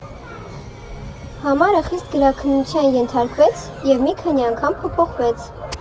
Համարը խիստ գրաքննության ենթարկվեց և մի քանի անգամ փոփոխվեց։